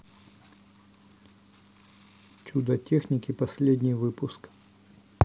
чудо техники последний выпуск